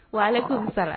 Wa ala ko sara